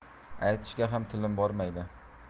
aytishga ham tilim bormaydir